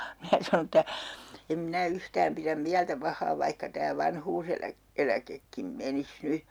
minä sanoin että en minä yhtään pidä mieltä pahaa vaikka tämä - vanhuuseläkekin menisi nyt